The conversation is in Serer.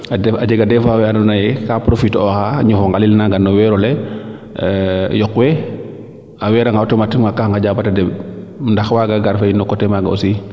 a jega des fois we ando naye ka profiter ooxa a ñofo ŋalel naaga no weero le yoq we a weera nga automatiquement ga ŋaƴa bata deɓ ndax waaga gar fo in no coté maaga aussi